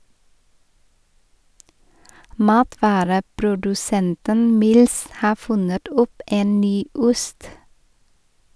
Matvareprodusenten Mills har funnet opp en ny ost.